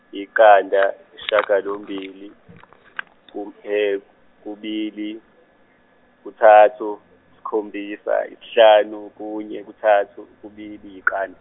yiqanda , yishagalombili, kumhe- kubili, kuthathu, sikhombisa, isihlanu, kunye, kuthathu, kubili, yiqanda.